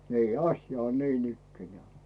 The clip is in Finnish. niin asia on niinikään